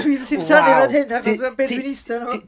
Dwi'n simsanu fan hyn achos o be dwi'n ista arna fo.